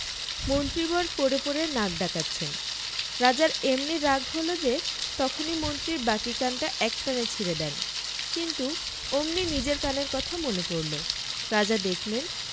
মন্ত্রীবর পড়ে পড়ে নাক ডাকাচ্ছেন রাজার এমনি রাগ হল যে তখনি মন্ত্রীর বাকি কানটা এক টানে ছিড়ে দেন কিন্তু অমনি নিজের কানের কথা মনে পড়ল রাজা দেখলেন